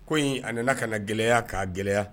Ko in a nana ka gɛlɛya ka'a gɛlɛya